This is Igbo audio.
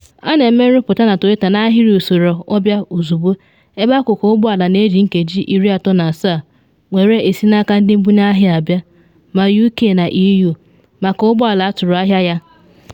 A na-eme nrụpụta na Toyota n’ahiri usoro “ọ bịa ozugbo”, ebe akụkụ ụgbọ ala na-eji nkeji 37 nwere esi n’aka ndị mbunye ahịa abịa, ma UK na EU maka ụgbọ ala atụrụ ahịa ya.